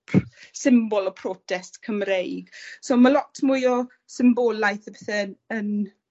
pr- symbol o protest Cymreig. So ma' lot mwy o symbolaeth a pethe'n yn